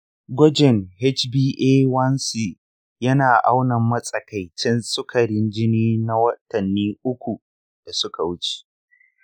gwajin hba1c yana auna matsakaicin sukarin jini na watanni uku da suka wuce.